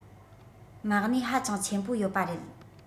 མ གནས ཧ ཅང ཆེན པོ ཡོད པ རེད